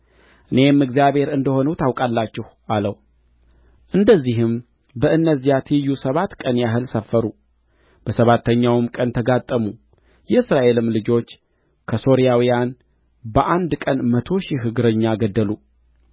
እኔም እግዚአብሔር እንደ ሆንሁ ታውቃላችሁ አለው እነዚህም በእነዚያ ትይዩ ሰባት ቀን ያህል ሰፈሩ በሰባተኛውም ቀን ተጋጠሙ የእስራኤልም ልጆች ከሶርያውያን በአንድ ቀን መቶ ሺህ እግረኛ ገደሉ